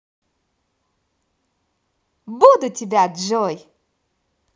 буду тебя джой